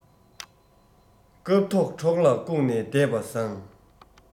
སྐབས ཐོག གྲོགས ལ བཀུག ནས བསྡད པ བཟང